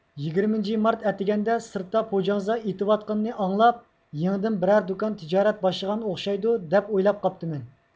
يىگىرمىنچى مارت ئەتىگەندە سىرتتا پوجاڭزا ئېتىۋاتقىنىنى ئاڭلاپ يېڭىدىن بىرەر دۇكان تىجارەت باشلىغان ئوخشايدۇ دەپ ئويلاپ قاپتىمەن